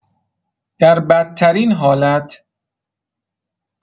در بدترین حالت